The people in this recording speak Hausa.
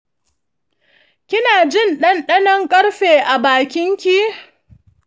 kina jin ɗanɗano ƙarfe a bakin ki?